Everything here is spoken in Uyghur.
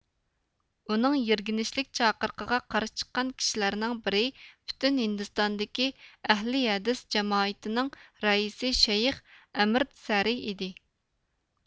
ئۇنىڭ يىرگىنچلىك چاقىرىقىغا قارشى چىققان كىشىلەرنىڭ بىرى پۈتۈن ھىندىستاندىكى ئەھلى ھەدىس جامائىتىنىڭ رەئىسى شەيخ ئەمىرتسەرىي ئىدى